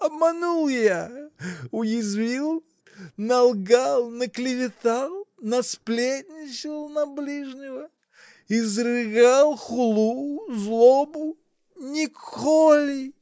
Обманул я, уязвил, налгал, наклеветал, насплетничал на ближнего? изрыгал хулу, злобу? Николи!